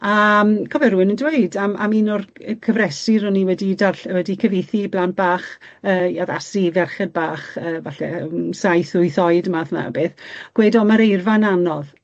A yym cofio rywun yn dweud am am un o'r c- yy cyfresi ro'n i wedi darll- wedi cyfieithu i blant bach yy addasu i ferched bach yy falle yym saith wyth oed y math 'na o beth gweud o ma'r eirfa'n anodd.